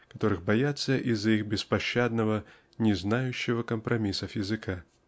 которых боятся из-за их беспощадного не знающего компромиссов языка.